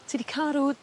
Ti 'di ca' rw